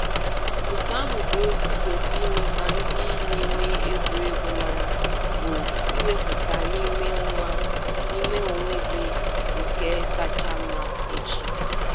Nke ahụ bụ ozi ịkwesịrị ime ka ndị na-eme egwuregwu mara, bụ wepụta n’ime onwe gị nke kacha mma echi.